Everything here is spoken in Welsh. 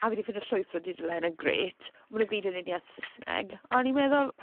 a fi 'di ffindo llwyth o dudalenne grêt, ma' nw gyd yn unieth Sysneg, a o'n i'n meddwl